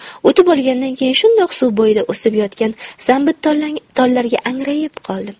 o'tib olgandan keyin shundoq suv bo'yida o'sib yotgan sambittollarga angrayib qoldim